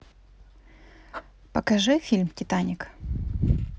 покажи фильм титаник